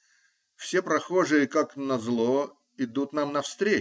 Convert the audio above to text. Все прохожие, как на зло, идут нам навстречу.